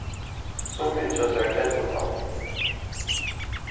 summi ynskja sær gentubarn